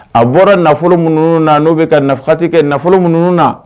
A bɔra nafolo minnu na n'u bɛ kati kɛ nafolo minnu na